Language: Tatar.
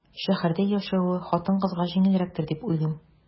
Шәһәрдә яшәве хатын-кызга җиңелрәктер дип уйлыйм.